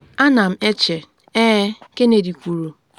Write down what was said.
“Ana m eche, ee,” Kennedy kwuru.